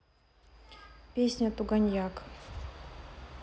песня туганьяк